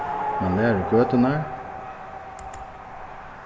mann lærir gøturnar